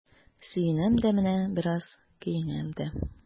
Сөенәм дә менә, бераз көенәм дә.